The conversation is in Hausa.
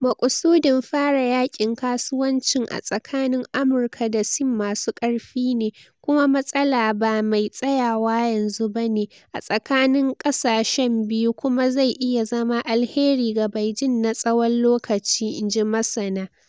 Makusudin fara yakin kasuwancin a tsakanin Amurka da Sin masu karfi ne, kuma matsala ba mai tsayawa yanzu bane, a tsakanin ƙasashen biyu kuma zai iya zama alheri ga Beijing na tsawon lokaci, in ji masana.